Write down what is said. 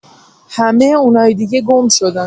همه اونای دیگه گم‌شدن